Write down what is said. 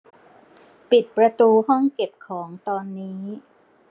ปิดประตูห้องเก็บของตอนนี้